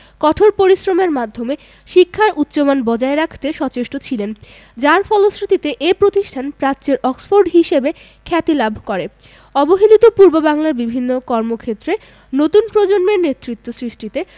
কঠোর পরিশ্রমের মাধ্যমে শিক্ষার উচ্চমান বজায় রাখতে সচেষ্ট ছিলেন যার ফলশ্রুতিতে এ প্রতিষ্ঠান প্রাচ্যের অক্সফোর্ড হিসেবে খ্যাতি লাভ করে অবহেলিত পূর্ববাংলার বিভিন্ন কর্মক্ষেত্রে নতুন প্রজন্মের নেতৃত্ব সৃষ্টিতে